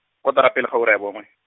kotara pele ga ura ya bongwe.